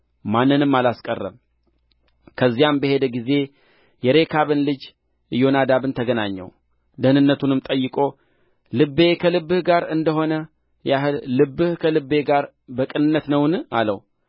ማንንም አላስቀረም ከዚያም በሄደ ጊዜ የሬካብን ልጅ ኢዮናዳብን ተገናኘው ደኅንነቱንም ጠይቆ ልቤ ከልብህ ጋር እንደ ሆነ ያህል ልብህ ከልቤ ጋር በቅንነት ነውን አለው